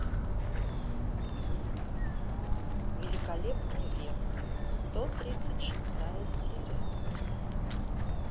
великолепный век сто тридцать шестая серия